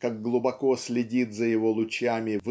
как глубоко следит за его лучами